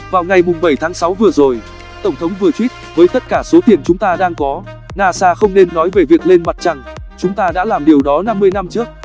vào ngày vừa rồi tổng thống vừa với tất cả số tiền chúng ta đang có nasa không nên nói về việc lên mặt trăng chúng ta đã làm điều đó năm trước